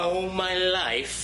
Oh my life.